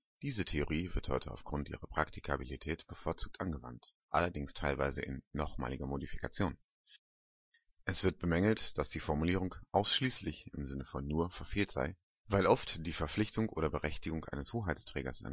Diese Theorie wird heute aufgrund ihrer Praktikabilität bevorzugt angewandt, allerdings teilweise in (nochmaliger) Modifikation: Es wird bemängelt, dass die Formulierung „ ausschließlich “(im Sinne von „ nur “) verfehlt sei, weil oft die Verpflichtung/Berechtigung eines Hoheitsträgers